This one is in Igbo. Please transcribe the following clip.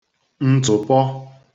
ntụ̀pọ